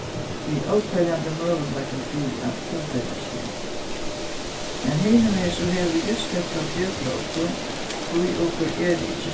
við óteljandi møguleikum fyri at umbera seg men hinvegin so hevur júst hetta fjøtrað okkum tí okur eri ikki